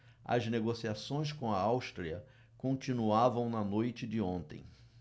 as negociações com a áustria continuavam na noite de ontem